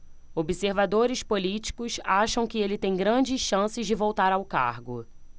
observadores políticos acham que ele tem grandes chances de voltar ao cargo